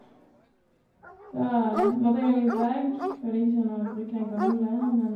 Så da måtte jeg ha ny bag, for det gikk ikke an å bruke den gamle, men...